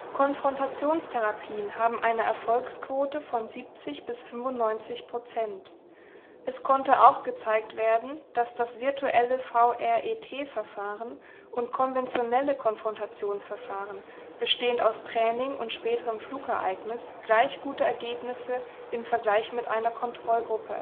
Konfrontationstherapien haben eine Erfolgsquote von 70-95 %. Es konnte auch gezeigt werden, dass das virtuelle VRET-Verfahren und konventionelle Konfrontationsverfahren bestehend aus Training und späterem Flugereignis gleich gute Ergebnisse im Vergleich mit einer Kontrollgruppe